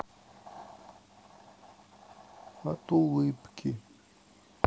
от улыбки